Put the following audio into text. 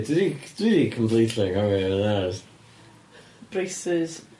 Dwi 'di, dwi 'di completely angofio bod yn onast. Braces.